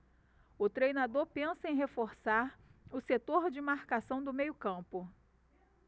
o treinador pensa em reforçar o setor de marcação do meio campo